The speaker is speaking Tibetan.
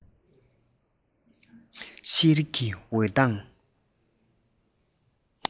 ཤེས རིག གི འོད མདངས